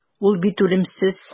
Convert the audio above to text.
Ул бит үлемсез.